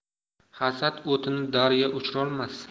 hasad o'tini daryo o'chirolmas